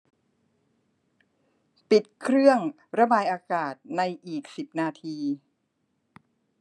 ปิดเครื่องระบายอากาศในอีกสิบนาที